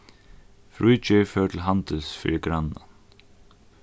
fríðgerð fór til handils fyri grannan